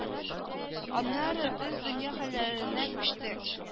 Аннары без дөнья хәлләренә күчтек